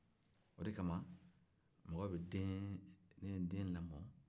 o de kama mɔgɔw bɛ den den lamɔ